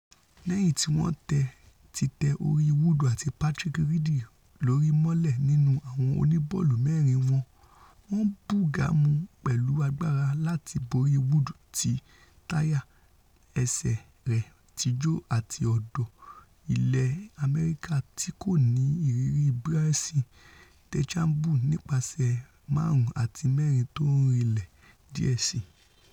Léyìn tíwọ́n ti tẹ Woods àti Patrick Reed lórí mọ́lẹ̀ nínú àwọn oníbọ́ọ̀lù-mẹ́rin wọn búgbàmu pẹ̀lú agbára láti borí Woods tí táyà ẹsẹ̀ rẹ̀ tijò àti ọ̀dọ́ ilẹ̀ Amẹrika tíkòni ìrírí Bryson Dechambeau nípaṣẹ̀ 5 àti 4 tórinlẹ̀ díẹ̀ síi.